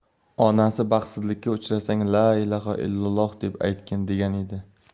onasi baxtsizlikka uchrasang la ilaha illolloh deb aytgin degan edi